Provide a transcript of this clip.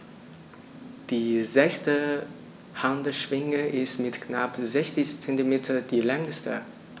Die sechste Handschwinge ist mit knapp 60 cm die längste.